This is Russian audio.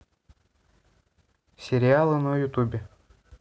сериалы на ютубе